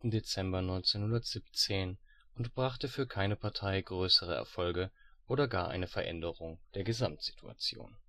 Dezember 1917 und brachte für keine Partei größere Erfolge oder gar eine Veränderung der Gesamtsituation